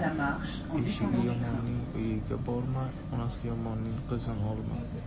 eshigi yomonning uyiga borma onasi yomonning qizini olma